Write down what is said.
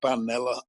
banel o